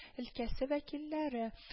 Өлкәсе вәкилләре